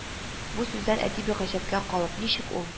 Бу сүздән әти бик гаҗәпкә калып: "Ничек ул